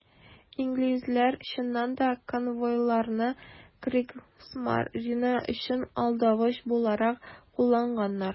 Инглизләр, чыннан да, конвойларны Кригсмарине өчен алдавыч буларак кулланганнар.